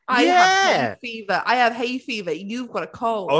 I had hayfever… I had hayfever, you’ve got a cold.